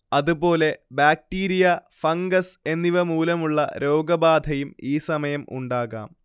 അതുപോലെ bacteria, fungus എന്നിവമൂലമുള്ള രോഗബാധയും ഈസമയം ഉണ്ടാകാം